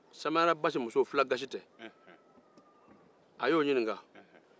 samaɲana basi muso fula gasita a y'o ɲinika